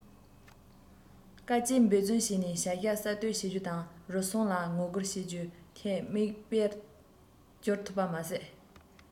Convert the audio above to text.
བཅིངས འགྲོལ དམག ནི བློས འགེལ ཆོག པ ཞིག ཡིན པ མཐོང ཐུབ